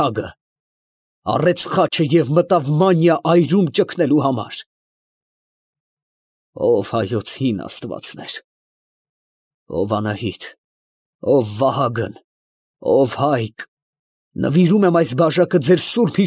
Թագը, առեց խաչը և մտավ Մանիա այրում ճգնելու համար… ֊ Ո՛վ հայոց հին աստվածներ, ո՛վ Անահիտ, ո՛վ Վահագն, ո՛վ Հայկ, նվիրում եմ այս բաժակը ձեր սուրբ։